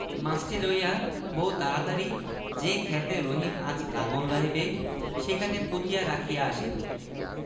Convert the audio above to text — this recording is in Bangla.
আমি তোমাকে এক টাকা আগাম দিলাম আরও যদি লাগে তাও দিব শেষ রাতে আমি জাগিয়া খিড়কির দরজার সামনে দাঁড়াইয়া থাকিব তখন তুমি গোপনে শোলমাছটি আমাকে দিয়া যাইবে